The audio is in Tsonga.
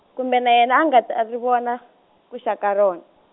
kumbe na yena a nga ta ri vona, ku xa ka ron-.